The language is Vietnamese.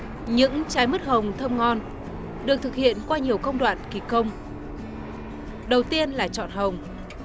những trái mứt hồng thơm ngon được thực hiện qua nhiều công đoạn kỳ công đầu tiên là chọn hồng